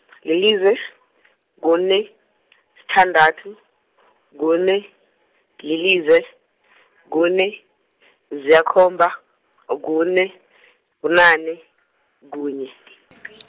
lilize, kune , sithandathu , kune, lilize, kune, ziyakhomba, a kune, bunane, kunye .